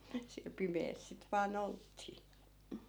siellä pimeässä sitten vain oltiin